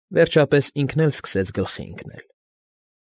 Վերջապես, ինքն էլ սկսեց գլխի ընկնել։